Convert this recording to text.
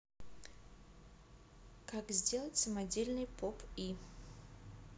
как сделать самодельный поп и